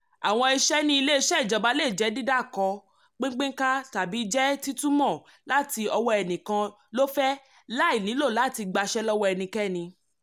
Àwọn iṣẹ́ ní ilé iṣẹ́ ìjọba le jẹ́ dídàkọ, pínpínká, tàbí jẹ́ títúmọ̀ láti ọwọ́ ẹnikẹ́ni lófẹ̀ẹ́ láì nílò àti gbàṣẹ lọ́wọ́ ẹnikẹ́ni.